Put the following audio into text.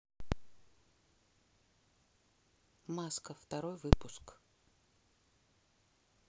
маска второй выпуск